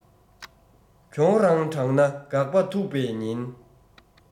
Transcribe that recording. གྱོང རང དྲགས ན འགག པ ཐུག པའི ཉེན